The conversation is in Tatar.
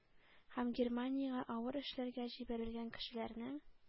Һәм германиягә авыр эшләргә җибәрелгән кешеләрнең